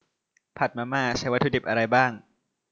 ผัดมาม่าใช้วัตถุดิบอะไรบ้าง